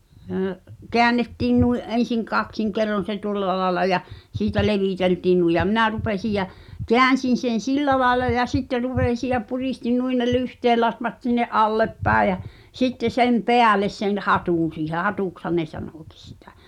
- käännettiin noin ensin kaksin kerroin se tuolla lailla ja siitä leviteltiin noin ja minä rupesin ja käänsin sen sillä lailla ja sitten rupesin ja puristin noin ne lyhteenlatvat sinne alaspäin ja sitten sen päälle sen hatun siihen hatuksihan ne sanokin sitä